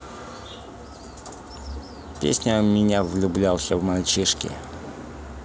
песня меня влюблялся в мальчишки